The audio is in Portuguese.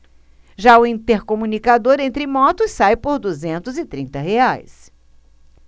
já o intercomunicador entre motos sai por duzentos e trinta reais